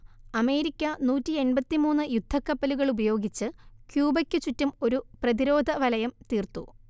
America നൂറ്റിയെൺപത്തി മൂന്ന് യുദ്ധക്കപ്പലുകളുപയോഗിച്ച് ക്യൂബക്കു ചുറ്റും ഒരു പ്രതിരോധവലയം തീർത്തു